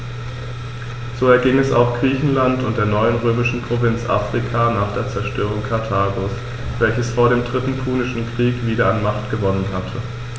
So erging es auch Griechenland und der neuen römischen Provinz Afrika nach der Zerstörung Karthagos, welches vor dem Dritten Punischen Krieg wieder an Macht gewonnen hatte.